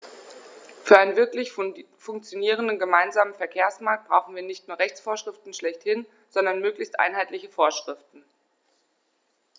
Für einen wirklich funktionierenden gemeinsamen Verkehrsmarkt brauchen wir nicht nur Rechtsvorschriften schlechthin, sondern möglichst einheitliche Vorschriften.